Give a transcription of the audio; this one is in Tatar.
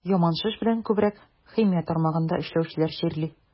Яман шеш белән күбрәк химия тармагында эшләүчеләр чирли.